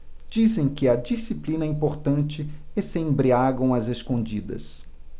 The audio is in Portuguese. dizem que a disciplina é importante e se embriagam às escondidas